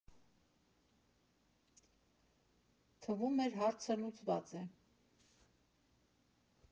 Թվում էր՝ հարցը լուծված է։